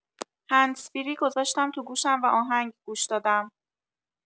هندزفری گذاشتم تو گوشم و آهنگ گوش دادم.